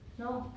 no